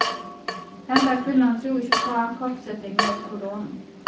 henda kvinnan trúði ikki upp á koppseting ímóti koronu